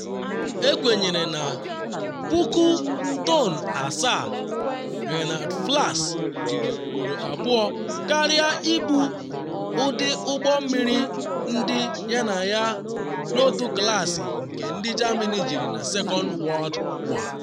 Ekwenyere na 7,000-ton “Rheinland-Pfalz jiri ugboro abụọ karịa ibu ụdị ụgbọ mmiri ndị yana ya n’otu klaasị nke ndị Germany jiri na Second World War.